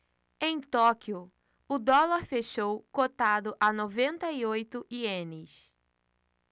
em tóquio o dólar fechou cotado a noventa e oito ienes